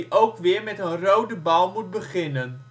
ook weer met een rode bal moet beginnen